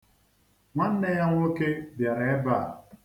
Nwanne ya nwoke bịara ebe a.